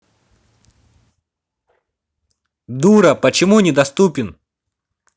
дура почему недоступен